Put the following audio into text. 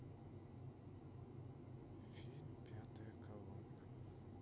фильм пятая колонна